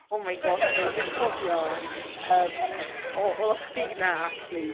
Oh, my gosh though, dwi’n cofio, yym, oddach chdi 'na acshyli.